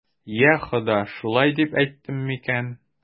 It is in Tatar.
Йа Хода, шулай дип әйттем микән?